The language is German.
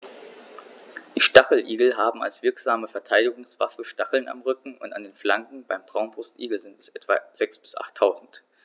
Die Stacheligel haben als wirksame Verteidigungswaffe Stacheln am Rücken und an den Flanken (beim Braunbrustigel sind es etwa sechs- bis achttausend).